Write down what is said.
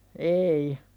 ei